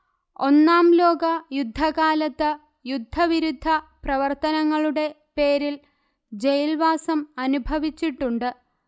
ഒന്നാം ലോകയുദ്ധകാലത്ത് യുദ്ധവിരുദ്ധ പ്രവർത്തനങ്ങളുടെ പേരിൽ ജയിൽവാസം അനുഭവിച്ചിട്ടുണ്ട്